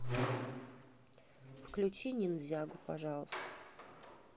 включи ниндзягу пожалуйста